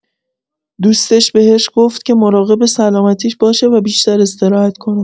دوستش بهش گفت که مراقب سلامتیش باشه و بیشتر استراحت کنه.